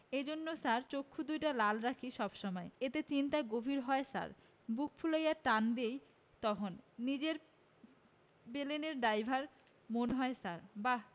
এইজন্য ছার চোক্ষু দুউডা লাল রাখি সব সময় এতে চিন্তা গভীর হয় ছার বুক ফুলায়া টান দেই তহন নিজেরে পেলেনের ড্রাইভার মনে হয় ছার... বাহ